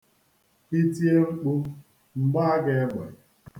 I tie mkpu, m gbaa gị egbe.